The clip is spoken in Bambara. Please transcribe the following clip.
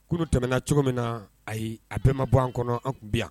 Kunun tɛmɛna cogo min na ayi a bɛɛ ma bɔ an kɔnɔ an tun bɛ yan